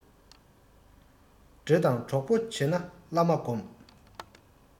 འདྲེ དང གྲོགས པོ བྱེད ན བླ མ སྒོམས